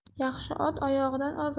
yaxshi ot oyog'idan ozar